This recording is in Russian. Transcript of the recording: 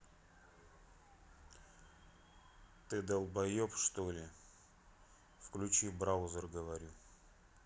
ты долбоеб что ли включи браузер говорю